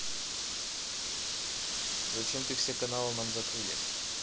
зачем ты все каналы нам закрыли